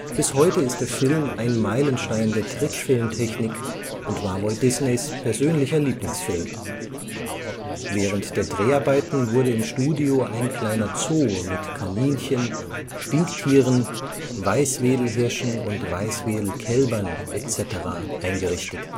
Bis heute ist der Film ein Meilenstein der Trickfilmtechnik und war Walt Disneys persönlicher Lieblingsfilm. Während der Dreharbeiten wurde im Studio ein kleiner Zoo mit Kaninchen, Stinktieren, Weißwedelhirschen und - kälbern etc. eingerichtet